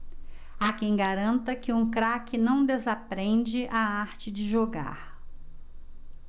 há quem garanta que um craque não desaprende a arte de jogar